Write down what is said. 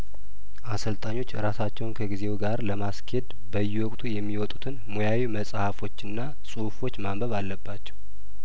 አሰልጣኞች ራሳቸውን ከጊዜው ጋር ለማስኬድ በየወቅቱ የሚወጡትን ሙያዊ መጽሀፎችና ጽሁፎች ማንበብ አለባቸው